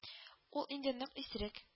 Ул инде нык исерек: